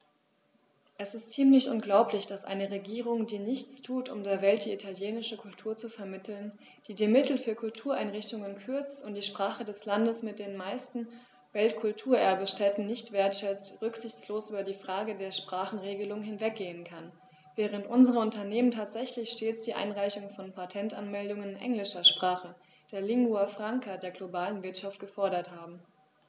Es ist ziemlich unglaublich, dass eine Regierung, die nichts tut, um der Welt die italienische Kultur zu vermitteln, die die Mittel für Kultureinrichtungen kürzt und die Sprache des Landes mit den meisten Weltkulturerbe-Stätten nicht wertschätzt, rücksichtslos über die Frage der Sprachenregelung hinweggehen kann, während unsere Unternehmen tatsächlich stets die Einreichung von Patentanmeldungen in englischer Sprache, der Lingua Franca der globalen Wirtschaft, gefordert haben.